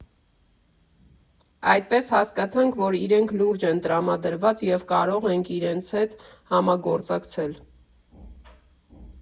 Այդպես հասկացանք, որ իրենք լուրջ են տրամադրված, և կարող ենք իրենց հետ համագործակցել։